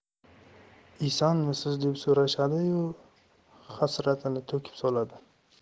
isanmisiz deb so'rashadi yu hasratini to'kib soladi